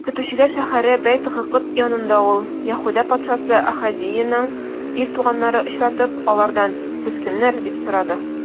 Көтүчеләр шәһәре Бәйт-Гыкыд янында ул, Яһүдә патшасы Ахазеянең ир туганнарын очратып, алардан: сез кемнәр? - дип сорады.